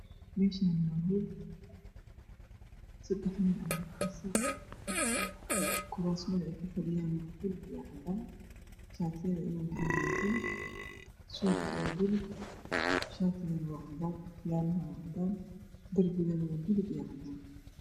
Meshani wa hol sadex nin aya fadhisa kurasaha ay ku fadhiyana wa bulug iyo cadan shatiyasha ay watana wa bingi sudku wa bulug shatiguna wa cadan okiyalaha wa cadan